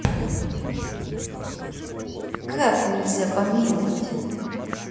как нельзя помиловать